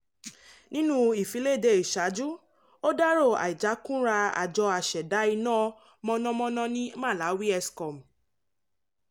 Nínú ìfiléde ìṣààjú, ó dárò àìjákúnra àjọ aṣẹ̀dá iná mọ̀nàmọ́ná ní Malawi ESCOM.